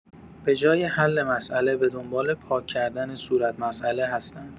به‌جای حل مسئله به دنبال پاک‌کردن صورت مسئله هستند.